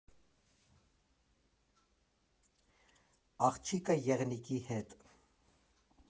Աղջիկը եղնիկի հետ։